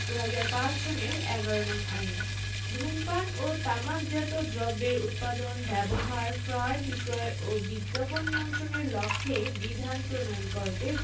২০০৫ সনের ১১ নং আইন ধূমপান ও তামাকজাত দ্রব্যের উৎপাদন ব্যবহার ক্রয় বিক্রয় ও বিজ্ঞাপন নিয়ন্ত্রণের লক্ষ্যে বিধান প্রণয়নকল্পে